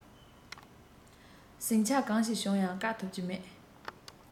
ཟིང ཆ གང ཞིག བྱུང ཡང བཀག ཐུབ ཀྱི མེད